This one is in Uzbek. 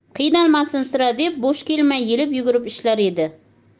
qiynalmasin sira deb bo'sh kelmay yelib yugurib ishlar edi